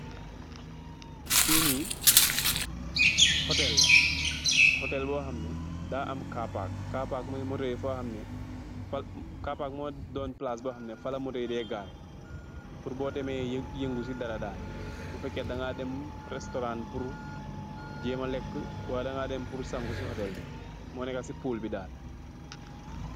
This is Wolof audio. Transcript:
Fii nii, hotel la, hotel bi daa am kaa paak. Kaa paak moo don palaas boo xam ne, falla moto yi dee gaaré su fekee yaa ngëë yëngu pur boo démé yëngu si dara daal. Bu féékee da nga deem restooran pur jëëma léékë, walla danga deem pur sangu si hotel bi, moo néékë si puul bi.